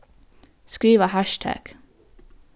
skriva hassjtagg